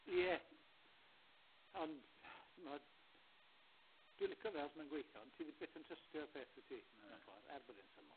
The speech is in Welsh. Ie, ond, t'mod, dwi'n licio fe os ma'n gweithio, ond ti byth yn trystio'r peth wyt ti... Na. ...mewn ffor, er bod e'n syml.